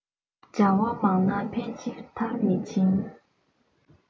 བྱ བ མང ན ཕལ ཆེར མཐར མི ཕྱིན